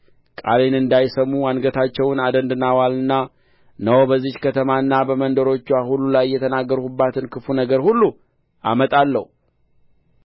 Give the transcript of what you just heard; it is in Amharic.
ቃሌን እንዳይሰሙ አንገታቸውን አደንድነዋልና እነሆ በዚህች ከተማና በመንደሮችዋ ሁሉ ላይ የተናገርሁባትን ክፉ ነገር ሁሉ አመጣለሁ